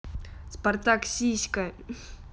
спартак сиська